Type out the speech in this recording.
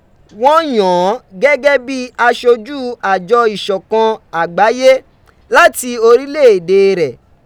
Wọ́n yàn án gẹ́gẹ́ bí i aṣojú àjọ ìṣòkan ag̀báyé, láti orílẹ̀ ède rẹ̀.